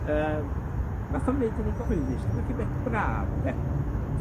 Yym, nath o'm neud hynny'n gyhoeddus, dyna chi beth braf, ynde.